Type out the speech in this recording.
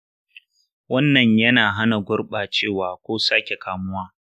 wannan yana hana gurɓacewa ko sake kamuwa.